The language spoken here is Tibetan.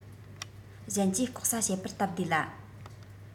གཞན གྱིས ལྐོག ཟ བྱེད པར སྟབས བདེ ལ